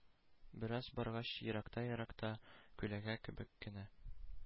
Бераз баргач, еракта-еракта күләгә кебек кенә